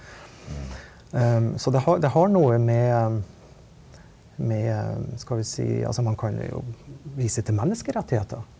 så det har det har noe med med skal vi si altså man kan jo vise til menneskerettigheter.